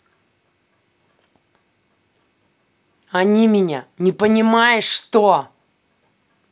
они меня не понимаешь что